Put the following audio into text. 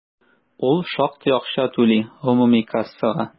Ул шактый акча түли гомуми кассага.